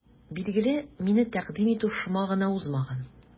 Билгеле, мине тәкъдим итү шома гына узмаган.